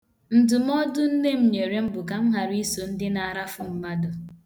Ndụmọdụ nne m nyere m bụ ka m ghara iso ndị na-arafu mmadụ.